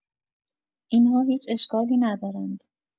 این‌ها هیچ اشکالی ندارند.